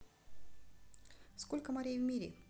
сколько морей в мире